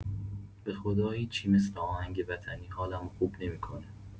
به‌خدا هیچی مثل آهنگ وطنی حالمو خوب نمی‌کنه.